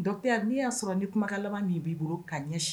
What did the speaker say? Dɔtɛ n'i y'a sɔrɔ ni kuma labanma min b'i bolo ka ɲɛsin